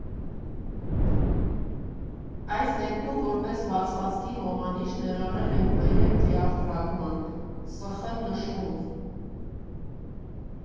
Այս դեպքում որպես բացվածքի հոմանիշ ներառել ենք նաև «դիաֆրագման»՝ «սխլ» նշումով։